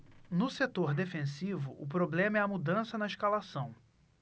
no setor defensivo o problema é a mudança na escalação